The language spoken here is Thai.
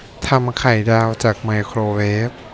ทำไข่ดาวจากไมโครเวฟ